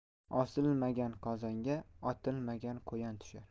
osilmagan qozonga otilmagan quyon tushar